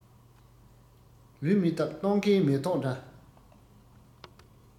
ལུས མི རྟག སྟོན ཁའི མེ ཏོག འདྲ